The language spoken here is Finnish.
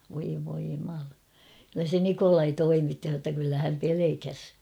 voi voi jumala kyllä se Nikolai toimitti sanoi jotta kyllä hän pelkäsi